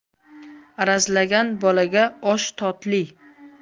arazlagan bolaga osh totli